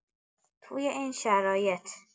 توی این شرایط